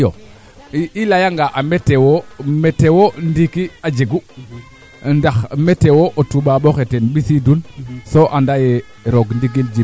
d' accord i numtu wiid ka no ke xotoona no walu variete fee maanaam o lenga varité a tuɓaaɓ o mais o leya nga varieté aussi xano xot no kee xotoona no walu ax ke